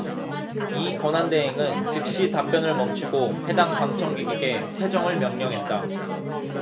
이 권한대항은 즉시 답변을 멈추고 해당 방청객에게 퇴정을 명령했다